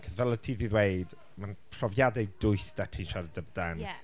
Achos fel oedd ti 'di ddweud, mae'n profiadau dwys 'da ti'n siarad amdan... Ie.